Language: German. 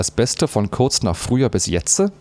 Beste von kurz nach früher bis jetze